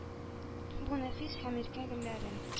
Бу нәфис һәм иркә гөлләрен.